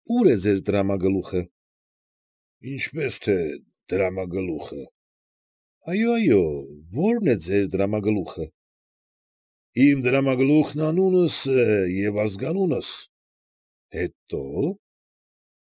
Ո՞ւր է ձեր դրամագլուխը։ ֊ Ինչպես թե դրամագլուխը։ ֊ Այո՛, ո՞րն է ձեր դրամագլուխը։ ֊ Իմ դրամագլուխն է անունս և ազգանունս։ ֊ Հետո՞։ ֊